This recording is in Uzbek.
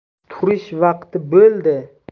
turish vaqti bo'ldi